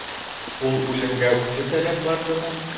Ул үлемгә үзе теләп бардымы?